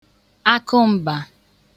akụ m̀bà